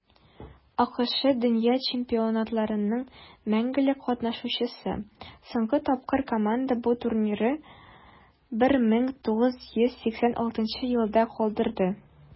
АКШ - дөнья чемпионатларының мәңгелек катнашучысы; соңгы тапкыр команда бу турнирны 1986 елда калдырды.